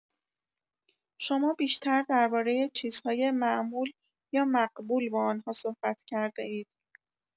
شما بیشتر درباره چیزهای معمول یا مقبول با آن‌ها صحبت کرده‌اید.